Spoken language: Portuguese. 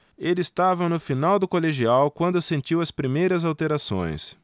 ele estava no final do colegial quando sentiu as primeiras alterações